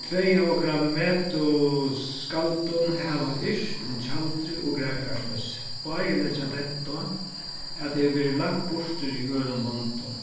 tvey av okra mætu skaldum hava yrkt um tjaldrið og grækarismessu báðir leggja dent á at tað hevur verið langt burturi í øðrum londum